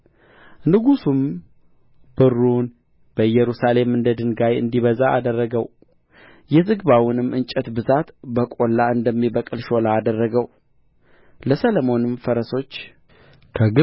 ንጉሡም ብሩን በኢየሩሳሌም እንደ ድንጋይ እንዲበዛ አደረገው የዝግባውንም እንጨት ብዛት በቈላ እንደሚበቅል ሾላ አደረገው ለሰሎሞንም ፈረሶች